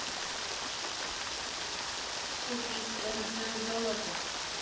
купить унцию золота